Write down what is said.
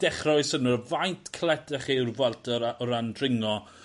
dechre roi syniad o faint caletach yw'r Vuelta o ra- o ran dringo.